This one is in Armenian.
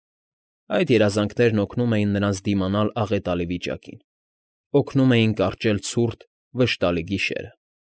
Այդ երազանքներն օգնում էին նրանց դիմանալ աղետալի վիճակին, օգնում էին կարճել ցուրտ, վշտալի գիշերը։